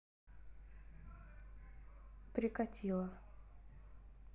прикатила